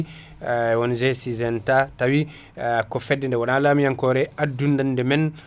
won ¨ sygenta taawi ko fedde nde wona lamiyankore addunande men